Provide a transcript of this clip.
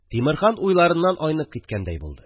Тимерхан уйларыннан айнып киткәндәй булды